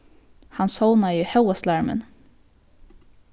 hann sovnaði hóast larmin